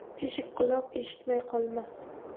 teshik quloq eshitmay qolmas